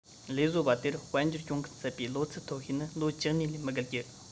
ལས བཟོ པ དེར དཔལ འབྱོར གྱོང གུན གསབ པའི ལོ ཚད མཐོ ཤོས ནི ལོ བཅུ གཉིས ལས མི བརྒལ རྒྱུ